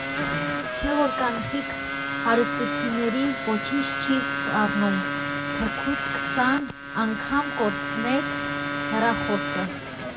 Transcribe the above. Ձեր ոչ կանխիկ հարստություններին ոչինչ չի սպառնում, թեկուզ քսան անգամ կորցնեք հեռախոսը։